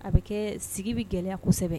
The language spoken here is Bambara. A bɛ kɛ sigi bɛ gɛlɛya kosɛbɛ